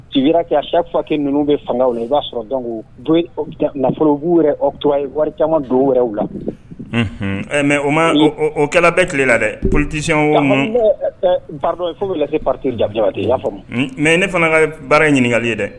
Kɛ safakɛ ninnu bɛ fanga la i b'a sɔrɔ dɔn nafolobuu to ye wari caman don wɛrɛ o la mɛ o ma o kɛlen bɛɛ tile la dɛ politisiy ma fo bɛ fa jan i'a fɔ mɛ ne fana ka baara ye ɲininkakali ye dɛ